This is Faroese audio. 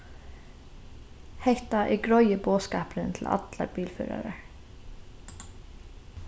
hetta er greiði boðskapurin til allar bilførarar